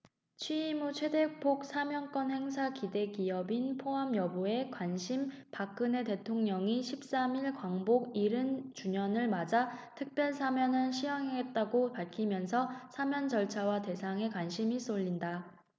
취임 후 최대폭 사면권 행사 기대 기업인 포함 여부에 관심 박근혜 대통령이 십 삼 일 광복 일흔 주년을 맞아 특별사면을 시행하겠다고 밝히면서 사면 절차와 대상에 관심이 쏠린다